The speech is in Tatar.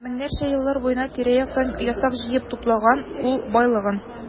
Меңнәрчә еллар буена тирә-яктан ясак җыеп туплаган ул байлыгын.